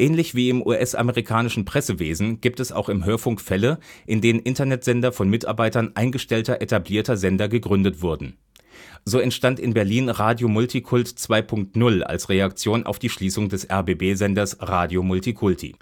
Ähnlich wie im US-amerikanischen Pressewesen, gibt es auch im Hörfunk Fälle, in denen Internetsender von Mitarbeitern eingestellter etablierter Sender gegründet wurden. So entstand in Berlin Radio multicult2.0 als Reaktion auf die Schließung des RBB-Senders Radio Multikulti